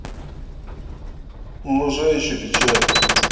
умножающий печаль